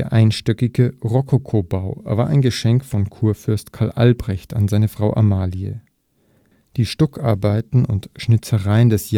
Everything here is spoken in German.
einstöckige Rokokobau war ein Geschenk von Kurfürst Karl Albrecht an seine Frau Amalie. Die Stuckarbeiten und Schnitzereien des